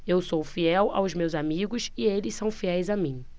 eu sou fiel aos meus amigos e eles são fiéis a mim